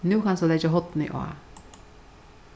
nú kanst tú leggja hornið á